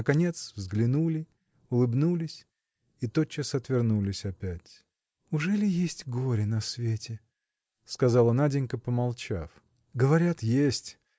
наконец взглянули, улыбнулись и тотчас отвернулись опять. – Ужели есть горе на свете? – сказала Наденька, помолчав. – Говорят, есть.